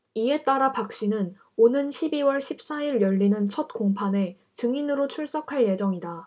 이에 따라 박씨는 오는 십 이 월 십 사 일 열리는 첫 공판에 증인으로 출석할 예정이다